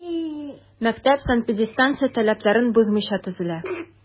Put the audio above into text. Мәктәп санэпидстанция таләпләрен бозмыйча төзелә.